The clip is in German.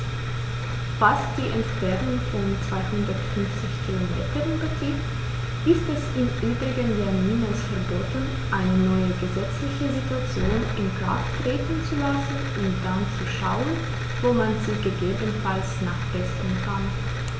Was die Entfernung von 250 Kilometern betrifft, ist es im Übrigen ja niemals verboten, eine neue gesetzliche Situation in Kraft treten zu lassen und dann zu schauen, wo man sie gegebenenfalls nachbessern kann.